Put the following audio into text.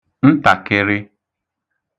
ntàkịrị